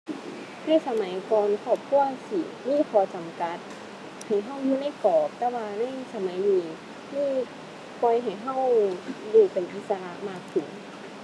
ในสมัยก่อนครอบครัวสิมีข้อจำกัดให้เราอยู่ในกรอบ แต่ว่าในสมัยนี้คือปล่อยให้เราได้เป็นอิสระมากขึ้น